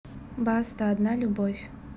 баста одна любовь